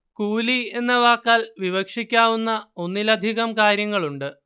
കൂലി എന്ന വാക്കാൽ വിവക്ഷിക്കാവുന്ന ഒന്നിലധികം കാര്യങ്ങളുണ്ട്